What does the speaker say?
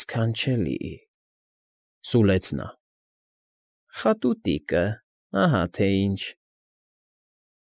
Ս֊ս֊քանչելի,֊ սուլեց նա,֊ խատուտիկը, ահա թե ինչ։